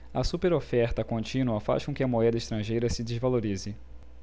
a superoferta contínua faz com que a moeda estrangeira se desvalorize